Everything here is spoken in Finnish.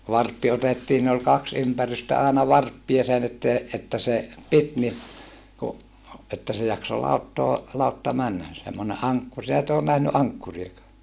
varppi otettiin siinä oli kaksi ympärystä aina varppia sen että että se piti niin kun että se jaksoi lauttaa lautta mennä semmoinen ankkuri sinä et ole nähnyt ankkuriakaan